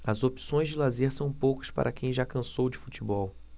as opções de lazer são poucas para quem já cansou de futebol